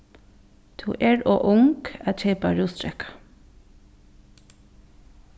tú er ov ung at keypa rúsdrekka